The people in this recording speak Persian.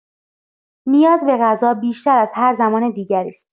نیاز به غذا بیشتر از هر زمان دیگری است.